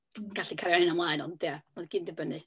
Dwi'm yn gallu cario hynna mlaen. Ond ia, mae o gyd yn dibynnu.